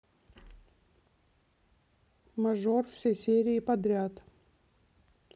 мажор все серии подряд